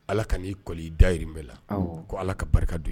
Ala ka' ii kɔli i dayi bɛɛ la ko ala ka barika don ye